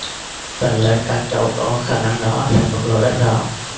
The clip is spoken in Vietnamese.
phần lớn các cháu có khả năng đó sẽ bộ lộ rất rõ